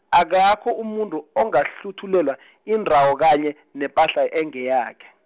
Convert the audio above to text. akakho umuntu, ongahluthulelwa , indawo kanye , nepahla engeyakhe.